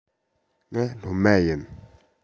ང སློབ མ ཡིན